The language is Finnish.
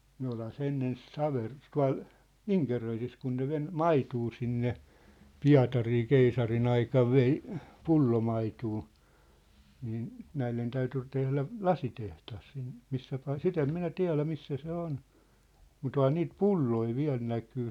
no olihan se ennen - tuolla Inkeroisissa kun ne - maitoa sinne Pietarin keisarin aikana vei pullomaitoa niin näille täytyi tehdä lasitehdas sinne missä - sitä en minä tiedä missä se on mutta onhan niitä pulloja vielä näkyy